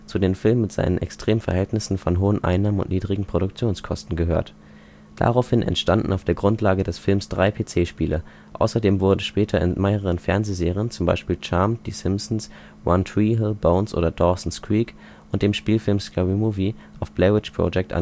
den Filmen mit einem extremen Verhältnis von hohen Einnahmen und niedrigen Produktionskosten gehört. Daraufhin entstanden auf der Grundlage des Films drei PC-Spiele. Außerdem wurde später in mehreren Fernsehserien (z. B. Charmed, Die Simpsons, One Tree Hill, Bones oder Dawson 's Creek) und dem Spielfilm Scary Movie auf Blair Witch Project angespielt